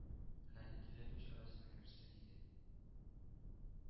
Хәлне төзәтү чарасына керешсен иде.